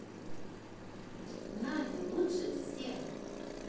надя лучше всех